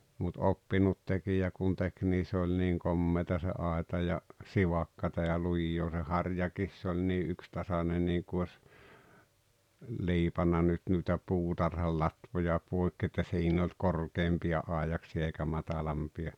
mutta oppinut tekijä kun teki niin se oli niin komeata se aita ja sivakkaa ja lujaa se harjakin se oli niin yksitasainen niin kuin olisi liipannut nyt noita puutarhan latvoja poikki että siinä en ollut korkeampia aidaksia eikä matalampia